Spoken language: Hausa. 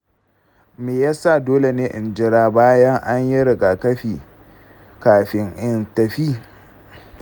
me ya sa dole ne in jira bayan an yi rigakafi kafin in tafi?